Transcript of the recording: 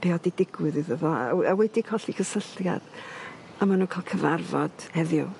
be' o'dd 'di digwydd iddo fo a w- a wedi colli cysylltiad a ma' n'w ca'l cyfarfod heddiw.